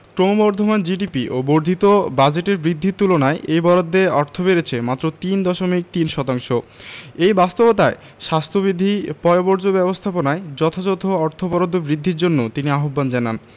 ক্রমবর্ধমান জিডিপি ও বর্ধিত বাজেটের বৃদ্ধির তুলনায় এই বরাদ্দে অর্থ বেড়েছে মাত্র তিন দশমিক তিন শতাংশ এই বাস্তবতায় স্বাস্থ্যবিধি পয়ঃবর্জ্য ব্যবস্থাপনায় যথাযথ অর্থ বরাদ্দ বৃদ্ধির জন্য তিনি আহ্বান জানান